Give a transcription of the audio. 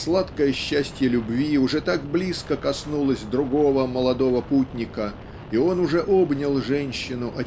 Сладкое счастье любви уже так близко коснулось другого молодого путника и он уже обнял женщину